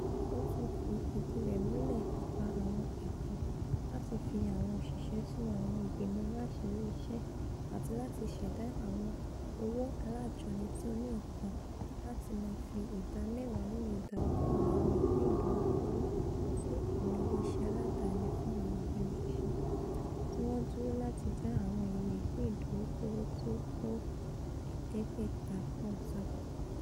Ó tún fi ìdí rẹ̀ múlẹ̀ nípa àwọn ètò láti fi àwọn òṣìṣẹ́ sínú àwọn ìgbìmọ aláṣẹ ilé iṣẹ̵́ àti láti ṣẹ̀dá Àwọn Owó Alájọni ti Oníǹkan lati máa fi ìdá mẹ́wàá nínú ìdá ọgọ́ọ̀rún àwọn ìpìn ìdóòkòwò ti àwọn ilé iṣẹ́ aláàdáni fún àwọn abániṣiṣẹ́, ti wọn duro láti da àwọn èrè ìpìn ìdóòkòwò tí ó tó ẹ̀ẹ́dẹ́gbẹ̀ta pọ́ùn sápo.